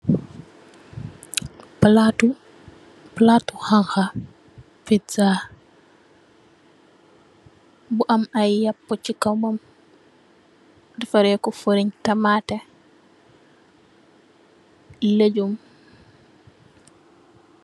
Palatu palatu xana pizza bu am ay yapa si kawam defareh ko fooren tamate legum.